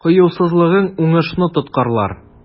Кыюсызлыгың уңышны тоткарлар.